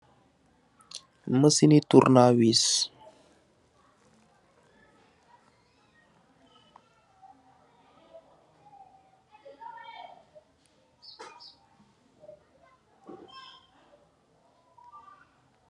Macini tornawees